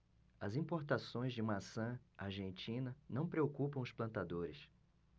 as importações de maçã argentina não preocupam os plantadores